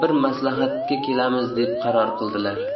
bir maslahatga kelamiz deb qaror qildilar